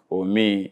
O min